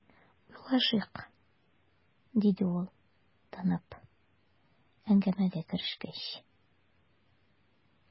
"уйлашыйк", - диде ул, тынып, әңгәмәгә керешкәч.